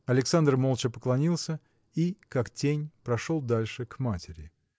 Александр молча поклонился и, как тень, прошел дальше, к матери.